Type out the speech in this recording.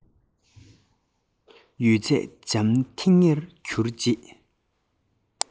ཡོད ཚད འཇམ ཐིང ངེར གྱུར རྗེས